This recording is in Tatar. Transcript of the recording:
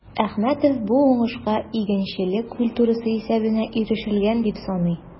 Әхмәтов бу уңышка игенчелек культурасы исәбенә ирешелгән дип саный.